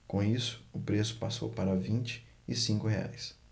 com isso o preço passou para vinte e cinco reais